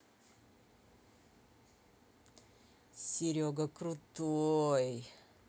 серега крутой